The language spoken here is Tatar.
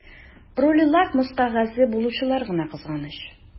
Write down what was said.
Роле лакмус кәгазе булучылар гына кызганыч.